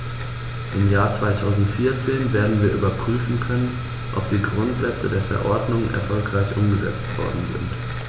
Im Jahr 2014 werden wir überprüfen können, ob die Grundsätze der Verordnung erfolgreich umgesetzt worden sind.